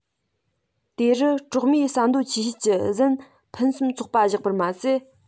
དེ རུ གྲོག མས ཟ འདོད ཆེ ཤོས ཀྱི ཟན ཕུན སུམ ཚོགས པ བཞག པ མ ཟད